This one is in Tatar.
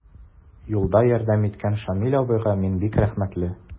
Юлда ярдәм иткән Шамил абыйга мин бик рәхмәтле.